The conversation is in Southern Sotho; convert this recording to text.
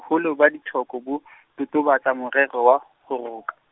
holo ba dithoko bo , totobatsa morero wa, ho roka.